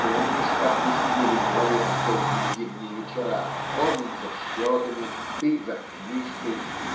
Помнишь, как вы сидели вдвоем в долгие зимние вечера, он за счетами, ты за книжкой?